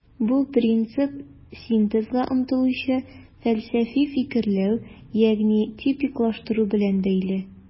Бу принцип синтезга омтылучы фәлсәфи фикерләү, ягъни типиклаштыру белән бәйле.